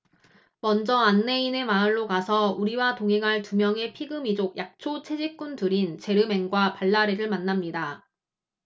먼저 안내인의 마을로 가서 우리와 동행할 두 명의 피그미족 약초 채집꾼들인 제르멘과 발라레를 만납니다